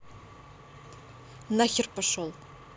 нахер пошел